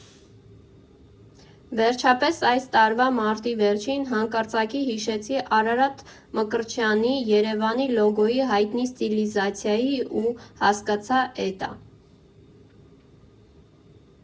Վերջապես այս տարվա մարտի վերջին հանկարծակի հիշեցի Արարատ Մկրտչյանի՝ Երևանի լոգոյի հայտնի ստիլիզացիայի ու հասկացա՝ էդ ա։